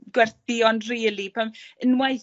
gwerthu ond rili pan, unwaith